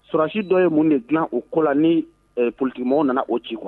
Surakasi dɔ ye mun de dilan u kɔ la ni polikimɔgɔww nana o ci kuwa